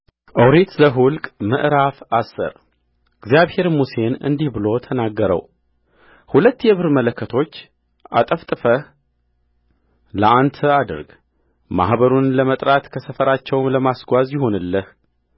ኦሪት ዘኍልቍ ምዕራፍ አስር እግዚአብሔርም ሙሴን እንዲህ ብሎ ተናገረውሁለት የብር መለከቶች አጠፍጥፈህ ለአንተ አድርግ ማኅበሩን ለመጥራት ከሰፈራቸውም ለማስጓዝ ይሁኑልህ